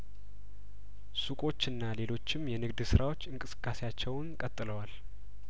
ሱቆችና ሌሎችም የንግድ ስራዎች እንቅስቃሴአቸውን ቀጥለዋል